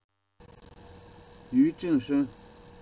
ཡུས ཀྲེང ཧྲེང